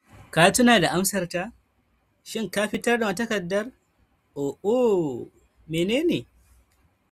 Ka tuna da amsarta ... shin ka fitar da wannan takardar - "oh, oh, mene?